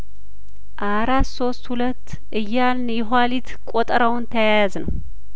አራት ሶስት ሁለት እያልን የሁዋሊት ቆጠራውን ተያያዝነው